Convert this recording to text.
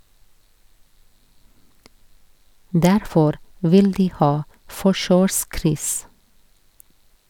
Derfor vil de ha forkjørskryss.